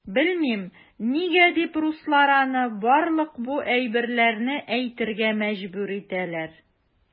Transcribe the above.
Белмим, нигә дип руслар аны барлык бу әйберләрне әйтергә мәҗбүр итәләр.